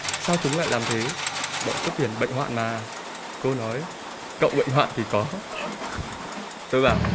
sao chúng lại làm thế bọn cướp biển bệnh hoạn mà cô nói cậu bệnh hoạn thì có tôi bảo